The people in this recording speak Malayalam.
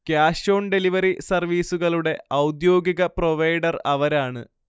ക്യാഷ് ഓൺ ഡെലിവറി സർവ്വീസുകളുടെ ഔദ്യോഗിക പ്രൊവൈഡർ അവരാണ്